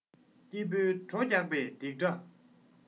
སྐྱིད པོའི བྲོ རྒྱག པའི རྡིག སྒྲ